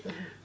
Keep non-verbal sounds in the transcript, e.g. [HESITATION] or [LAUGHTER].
[HESITATION] [HESITATION]